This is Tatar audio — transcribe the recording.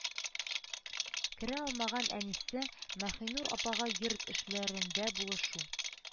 Керә алмаган әнисе маһинур апага йорт эшләрендә булышу